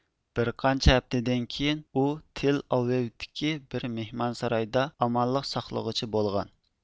بىر قانچە ھەپتىدىن كېيىن ئۇ تېل ئاۋېۋتىكى بىر مىھمانسارايدا ئامانلىق ساقلىغۇچى بولغان